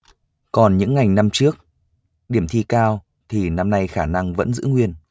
còn những ngành năm trước điểm thi cao thì năm nay khả năng vẫn giữ nguyên